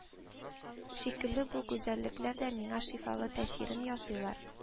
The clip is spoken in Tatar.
Шикелле, бу гүзәллекләр дә миңа шифалы тәэсирен ясыйлар,